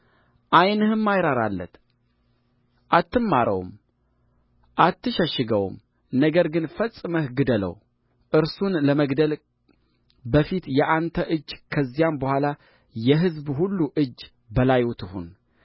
ዓይንህም አይራራለት እትማረውም አትሸሽገውም ነገር ግን ፈጽመህ ግደለው እርሱን ለመግደል በፊት የአንተ እጅ ከዚያም በኋላ የሕዝቡ ሁሉ እጅ በላዩ ትሁን